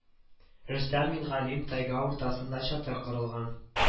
Рөстәм мингалим тайга уртасында чатыр корылган